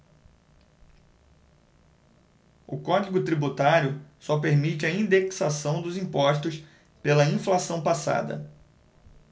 o código tributário só permite a indexação dos impostos pela inflação passada